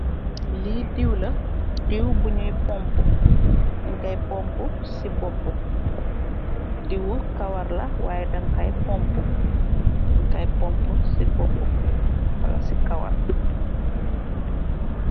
Li diw la, diw bu ñgu pompu. Dajj Koy pompu ci bopú. Diwi kawar la way dajj kay pompu .Dajj kay pompu ci kawarr walla ci bopú .